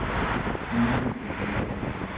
shunday deb yozadi